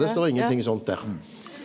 det står ingenting sånt der.